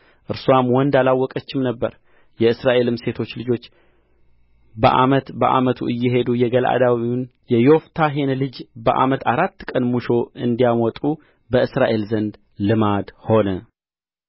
እርስዋም ወንድ አላወቀችም ነበር የእስራኤልም ሴቶች ልጆች በዓመት በዓመቱ እየሄዱ የገለዓዳዊውን የዮፍታሔን ልጅ በዓመት አራት ቀን ሙሾ እንዲያወጡ በእስራኤል ዘንድ ልማድ ሆነ